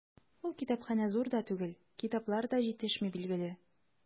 Ул китапханә зур да түгел, китаплар да җитешми, билгеле.